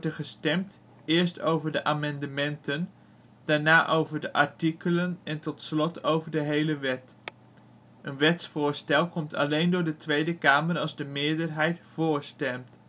gestemd, eerst over de amendementen, daarna over de artikelen en tot slot over de hele wet. Een wetsvoorstel komt alleen door de Tweede Kamer als de meerderheid vóór stemt